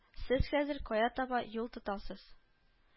Сез хәзер кая таба юл тотасыз